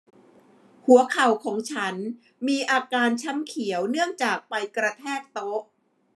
หัวเข่าของฉันมีอาการช้ำเขียวเนื่องจากไปกระแทกโต๊ะ